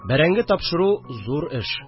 Бәрәңге тапшыру зур эш